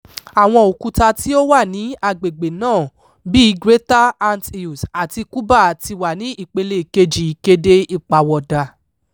Àwọn òkúta tí ó wà ní agbègbè náà, bíi Greater Antilles àti Cuba, ti wà ní Ìpele Kejì Ìkéde Ìpàwọ̀dà: